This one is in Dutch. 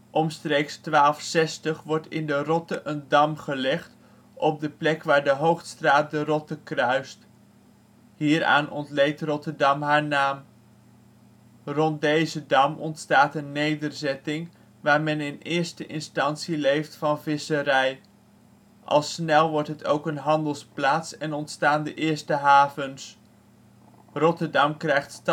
Omstreeks 1260 wordt in de Rotte een dam gelegd op de plek waar de Hoogstraat de Rotte kruist. Hieraan ontleent Rotterdam haar naam. Rond deze dam ontstaat een nederzetting waar men in eerste instantie leeft van visserij. Al snel wordt het ook een handelsplaats en ontstaan de eerste havens. Rotterdam krijgt